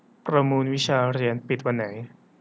ประมูลวิชาเรียนปิดวันไหน